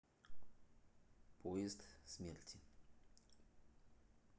поезд смерти